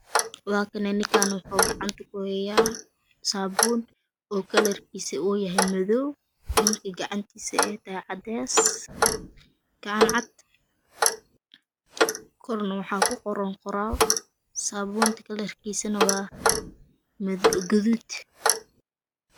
Waa kana ninkane wuxu gacanta ku heyaa sabuun oo kalarkisa uu yahay madoow ninka gacntisa ay tahy cades Gacan cad korne wax ku qoran qoraal sabuntane kalarkisane waa gadud